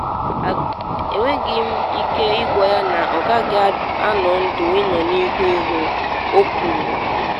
“Enweghị m ike ịgwa ya na ọ gaghị anọ ndụ ịnọ n’ihu ihu’.” o kwuru.